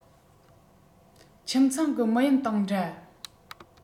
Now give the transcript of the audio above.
ཁྱིམ ཚང གི མི ཡིན དང འདྲ